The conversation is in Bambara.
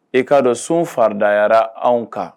E'a dɔn so faridayara anw kan